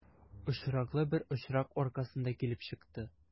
Очраклы бер очрак аркасында килеп чыкты.